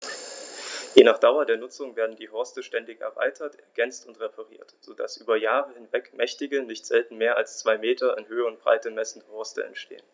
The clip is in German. Je nach Dauer der Nutzung werden die Horste ständig erweitert, ergänzt und repariert, so dass über Jahre hinweg mächtige, nicht selten mehr als zwei Meter in Höhe und Breite messende Horste entstehen.